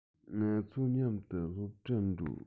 ང ཚོ མཉམ དུ སློབ གྲྭར འགྲོ